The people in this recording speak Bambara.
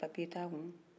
papier t'a bolo